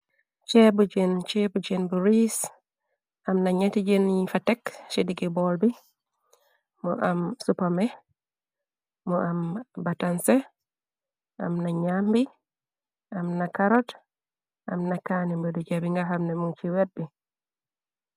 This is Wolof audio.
Chebu jen chebu jen bu reise am na nyate jen yun fa tekk ci digi bool bi mu am supame mu am batanse am na ñaam bi am na karot am na kaani bu deja bi nga xamne mu ci wet bi.